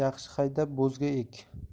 yaxshi haydab bo'zga ek